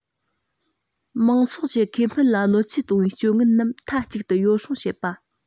མང ཚོགས ཀྱི ཁེ ཕན ལ གནོད འཚེ གཏོང བའི སྤྱོད ངན རྣམས མཐའ གཅིག ཏུ ཡོ བསྲང བྱེད པ